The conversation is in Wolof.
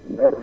waa